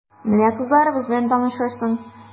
Менә кызларыбыз белән танышырсың...